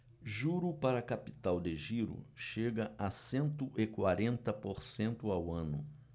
juro para capital de giro chega a cento e quarenta por cento ao ano